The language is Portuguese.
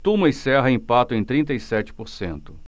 tuma e serra empatam em trinta e sete por cento